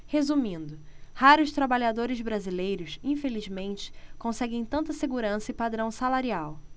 resumindo raros trabalhadores brasileiros infelizmente conseguem tanta segurança e padrão salarial